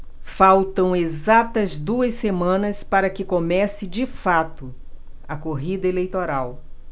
faltam exatas duas semanas para que comece de fato a corrida eleitoral